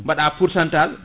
mbaɗa pourcentage